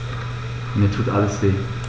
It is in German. Mir tut alles weh.